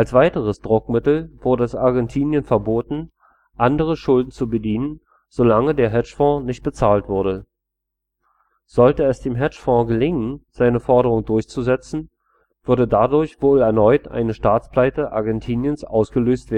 weiteres Druckmittel wurde es Argentinien verboten andere Schulden zu bedienen solange der Hedgefonds nicht bezahlt wurde. Sollte es dem Hedgefonds gelingen, seine Forderung durchzusetzen, würde dadurch wohl erneut eine Staatspleite Argentiniens ausgelöst